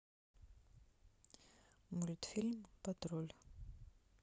мультфильм патруль